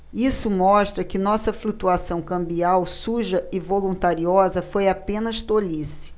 isso mostra que nossa flutuação cambial suja e voluntariosa foi apenas tolice